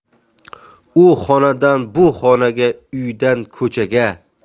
u xonadan bu xonaga uydan ko'chaga